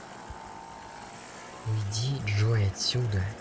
уйди джой отсюда